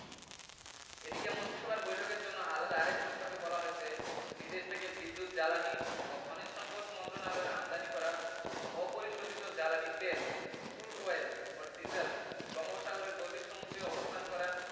এদিকে মন্ত্রিসভার বৈঠকের জন্য আলাদা আরেক প্রস্তাবে বলা হয়েছে বিদেশ থেকে বিদ্যুৎ জ্বালানি ও খনিজ সম্পদ মন্ত্রণালয়ের আমদানি করা অপরিশোধিত জ্বালানি তেল ক্রুড অয়েল ও ডিজেল বঙ্গোপসাগরের গভীর সমুদ্রে অবস্থান করা